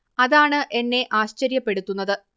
അതാണ് എന്നെ ആശ്ചര്യപ്പെടുത്തുന്നത്